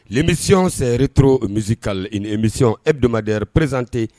Misiy sɛ reto misisikamisiy edmadre ppztee